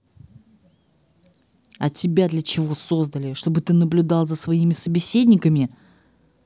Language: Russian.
а тебя для чего создали чтобы ты наблюдал за своими собеседниками